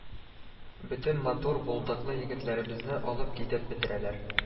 Бөтен матур, булдыклы егетләребезне алып китеп бетерәләр